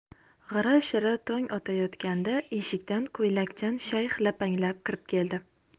g'ira shira tong otayotganda eshikdan ko'ylakchan shayx lapanglab kirib keldi